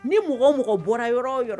Ni mɔgɔ mɔgɔ bɔra yɔrɔ o yɔrɔ